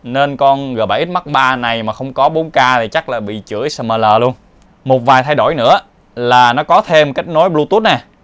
con g x mark iii này mà không có k thì chắc là bị chửi sml luôn một vài thay đổi nữa là nó có thêm kết nối bluetooth